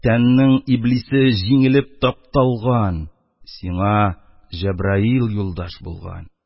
Тәннең иблисе җиңелеп тапталган, сиңа җәбраил юлдаш булган.